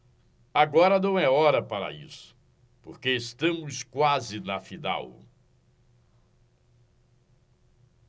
agora não é hora para isso porque estamos quase na final